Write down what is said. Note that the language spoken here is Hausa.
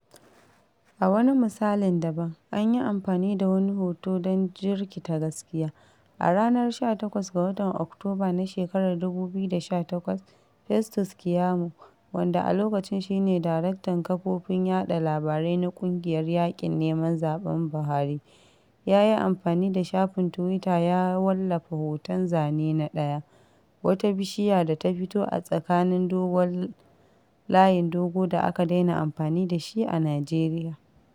A wani misalin daban, an yi amfani da wani hoto don jirkita gaskiya. A ranar 28 ga watan Oktoba na shekarar 2018, Festus Keyamo, wanda a lokacin shi ne daraktan kafofin yaɗa labarai na ƙungiyar Yaƙin Neman Zaɓen Buhari, ya yi amfani da shafin tuwita ya wallafa hoton (Zane na 1) wata bishiya da ta fito a tsakaninlayin dogo da aka daina amfani da shi a Nijeriya.